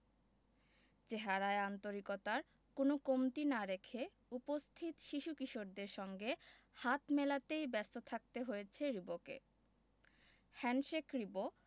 চেহারায় আন্তরিকতার কোনো কমতি না রেখে উপস্থিত শিশুকিশোরদের সঙ্গে হাত মেলাতেই ব্যস্ত থাকতে হয়েছে রিবোকে হ্যান্ডশেক রিবো